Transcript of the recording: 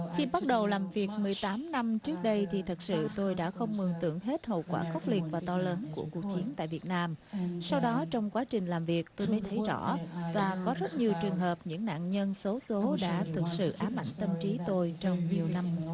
khi bắt đầu làm việc mười tám năm trước đây thì thật sự tôi đã không mường tượng hết hậu quả khốc liệt và to lớn của cuộc chiến tại việt nam sau đó trong quá trình làm việc tôi mới thấy rõ và có rất nhiều trường hợp những nạn nhân xấu số đã thực sự ám ảnh tâm trí tôi trong nhiều năm